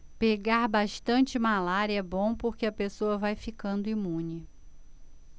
pegar bastante malária é bom porque a pessoa vai ficando imune